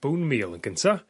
bonemeal yn gynta